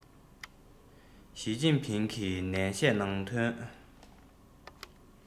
ཞིས ཅིན ཕིང གིས ནན བཤད གནང དོན